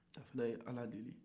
a fana ye ala deli